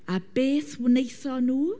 A beth wnaethon nhw?